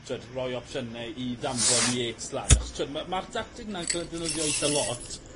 t'wod roi opsiyne i ddanfon Yates lan achos t'wod ma' ma'r dacteg 'na'n ca'l 'i defnyddio itha lot